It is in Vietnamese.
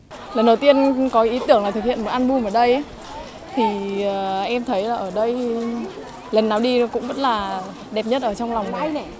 lần đầu tiên có ý tưởng là thực hiện một an bum ở đây ấy thì ờ em thấy là ở đây lần nào đi nữa cũng vẫn là đẹp nhất ở trong lòng